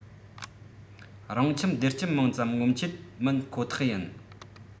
རང ཁྱིམ བདེ སྐྱིད མང ཙམ ངོམ ཆེད མིན ཁོ ཐག ཡིན